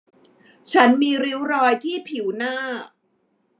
ฉันมีริ้วรอยที่ผิวหน้า